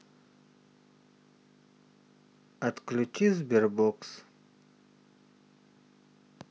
отключи сбер бокс